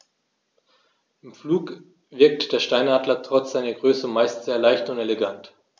Im Flug wirkt der Steinadler trotz seiner Größe meist sehr leicht und elegant.